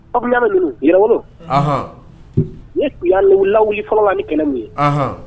Awaolo ne tun y'alawu fɔlɔ ni kɛlɛ mun ye